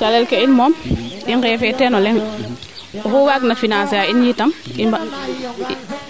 calel ke in moom i ngeefe teen o leŋ oxu waag na financer a in tam i